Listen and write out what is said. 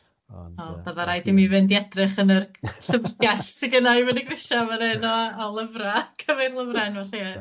O bydda raid i mi fynd i edrych yn yr llyfrgell sy gynna 'i fyny grisia fan 'yn yy o lyfra, cymryd lyfre felly ia.